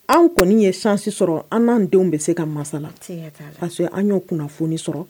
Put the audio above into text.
An kɔni ye chance sɔrɔ an n'an denw bɛ se ka masala, parce que an y'o kunnafoni sɔrɔ